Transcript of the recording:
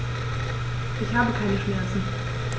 Ich habe keine Schmerzen.